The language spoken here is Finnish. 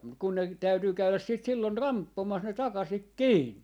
mutta kun ne täytyy käydä sitten silloin ramppomassa ne takaisin kiinni